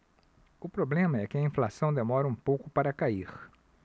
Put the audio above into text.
o problema é que a inflação demora um pouco para cair